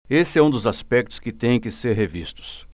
esse é um dos aspectos que têm que ser revistos